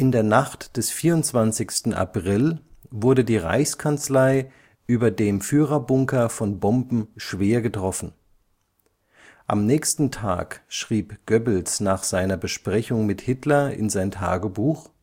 der Nacht des 24. April wurde die Reichskanzlei über dem Führerbunker von Bomben schwer getroffen. Am nächsten Tag schrieb Goebbels nach seiner Besprechung mit Hitler in sein Tagebuch